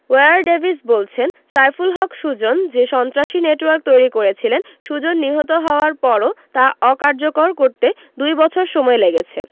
wire Davis বলছেন সাইফুল হক সুজন যে সন্ত্রাসী নেটওয়ার্ক তৈরি করেছিলেন সুজন নিহত হওয়ার পরও তা অকার্যকর করতে দুই বছর সময় লেগেছে